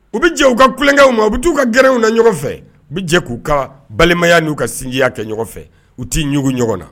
U bɛ jɛ u ka tulonkɛ ma u bɛ t' u ka g gɛlɛnɛrɛw na ɲɔgɔn fɛ u bɛ jɛ k'u ka balimaya n'u ka sinya kɛ ɲɔgɔn fɛ u t'i ɲɔgɔn ɲɔgɔn na